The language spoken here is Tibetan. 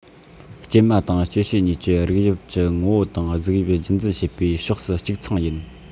སྐྱེད མ དང སྐྱེད བྱེད གཉིས ཀྱི རིགས དབྱིབས ཀྱི ངོ བོ དང གཟུགས དབྱིབས རྒྱུད འཛིན བྱེད པའི ཕྱོགས སུ གཅིག མཚུངས ཡིན